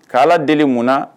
K' deli mun na